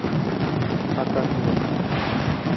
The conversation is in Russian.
а как нет